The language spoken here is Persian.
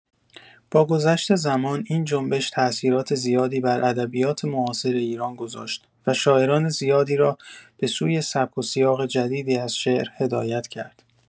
با گذشت زمان، این جنبش تاثیرات زیادی بر ادبیات معاصر ایران گذاشت و شاعران زیادی را به‌سوی سبک و سیاق جدیدی از شعر هدایت کرد.